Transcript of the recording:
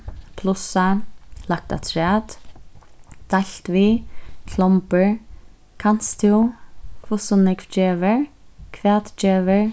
plussa lagt afturat deilt við klombur kanst tú hvussu nógv gevur hvat gevur